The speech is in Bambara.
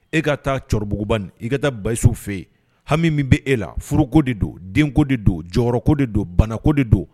E kaa taa cɛkɔrɔbabugubain i ka taa basi fɛ yen hami min bɛ e la furuko de don denko de don jɔyɔrɔko de don banako de don